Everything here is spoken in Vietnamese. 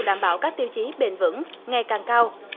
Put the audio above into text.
đảm bảo các tiêu chí bền vững ngày càng cao